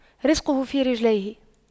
رِزْقُه في رجليه